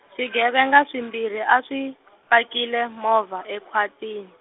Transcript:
swigevenga swimbirhi a swi , pakile movha ekhwatini.